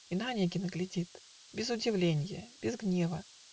И на Онегина глядит Без удивления, без гнева.